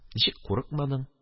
Ничек курыкмадың?